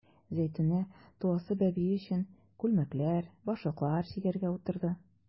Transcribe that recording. Зәйтүнә туасы бәбие өчен күлмәкләр, башлыклар чигәргә утырды.